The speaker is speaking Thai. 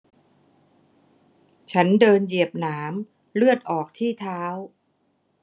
ฉันเดินเหยียบหนามเลือดออกที่เท้า